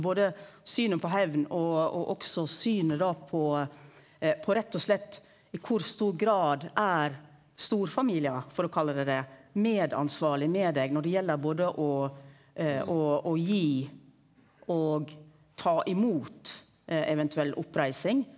både synet på hemn og og også synet da på på rett og slett i kor stor grad er storfamiliar for å kalle det det medansvarlege med deg når det gjeld både å å å gi og ta imot eventuell oppreising,